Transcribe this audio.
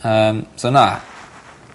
yym so na.